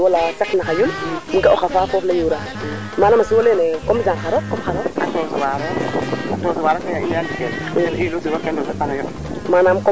xa a refe pertement ku ando naye o xey weera to doye to ande mote xa sobleka i ngaƴan bo mbaan i teelno nduuf tena eta fort xa teɓa xeene ka i sayano yo eet no ndufo yo mbaan